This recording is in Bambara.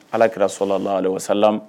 Alaki sola wa sa